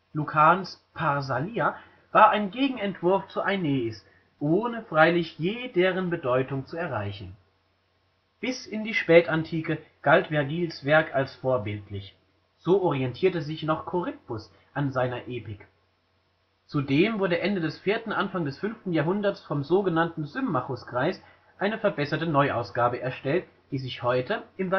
Lucans Pharsalia war ein Gegenentwurf zur Aeneis, ohne freilich je deren Bedeutung zu erreichen. Bis in die Spätantike galt Vergils Werk als vorbildlich; so orientierte sich noch Corippus an seiner Epik. Zudem wurde Ende des 4. / Anfang des 5. Jahrhunderts vom so genannten Symmachuskreis eine verbesserte Neuausgabe erstellt, die sich heute im